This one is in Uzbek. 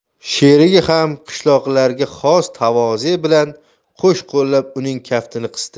sherigi ham qishloqilarga xos tavoze bilan qo'sh qo'llab uning kaftini qisdi